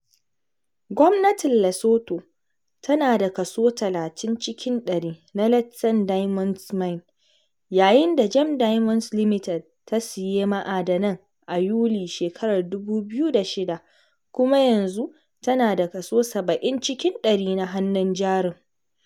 Gwamnatin Lesotho tana da kaso 30 cikin 100 na Letšeng Diamonds Mine, yayin da Gem Diamonds Limited ta siye ma’adanan a Yuli 2006 kuma yanzu tana da kaso 70 cikin 100 na hannun jarin.